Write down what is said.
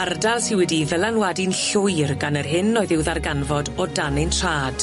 Ardal sy wedi'i ddylanwadu'n llwyr gan yr hyn oedd i'w ddarganfod o dan ein trad.